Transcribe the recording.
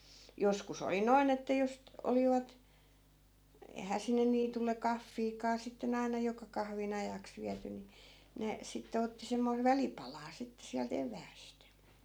joskus oli noin että jos - olivat eihän sinne niitylle kahviakaan sitten aina joka kahvin ajaksi viety niin ne sitten otti semmoista välipalaa sitten sieltä eväästä